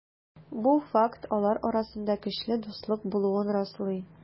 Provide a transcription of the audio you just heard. Бу факт алар арасында көчле дуслык булуын раслый.